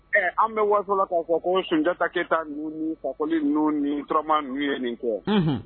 Ɛ an bɛ wasola kkaw fɔ ko sunjatata keyita n fakɔli nu ni turama nu ye nin kɔ